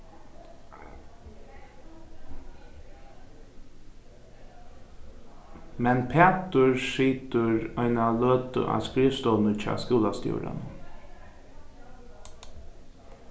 men pætur situr eina løtu á skrivstovuni hjá skúlastjóranum